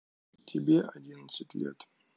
тебе одиннадцать лет